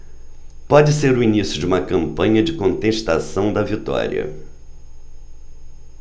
pode ser o início de uma campanha de contestação da vitória